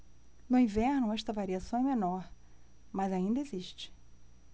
no inverno esta variação é menor mas ainda existe